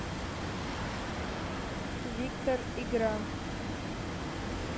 виктор игра